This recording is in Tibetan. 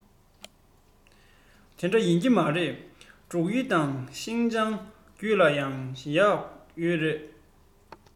དེ འདྲ ཡིན གྱི མ རེད འབྲུག ཡུལ དང ཤིན ཅང རྒྱུད ལ ཡང གཡག ཡོད རེད